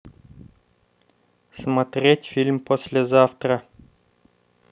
смотреть фильм послезавтра